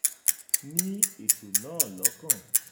Ní ètò náà lọ́kàn.”